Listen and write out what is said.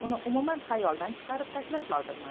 uni umuman xayoldan chiqarib tashlash lozimmi